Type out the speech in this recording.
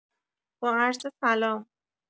با عرض سلام.